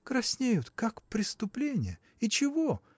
– Краснеют, как преступления – и чего!